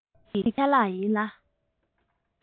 རྩོམ རིག གི ཆ ལག ཡིན ལ